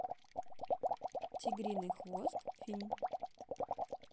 тигриный хвост фильм